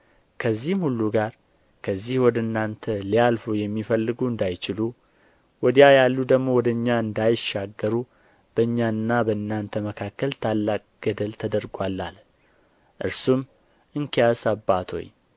ከዚህም ሁሉ ጋር ከዚህ ወደ እናንተ ሊያልፉ የሚፈልጉ እንዳይችሉ ወዲያ ያሉ ደግሞ ወደ እኛ እንዳይሻገሩ በእኛና በእናንተ መካከል ታላቅ ገደል ተደርጎአል አለ እርሱም እንኪያስ አባት ሆይ